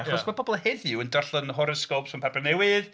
Achos mae pobl heddiw yn darllen horoscopes mewn papur newydd.